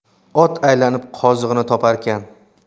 ot aylanib qozig'ini toparkan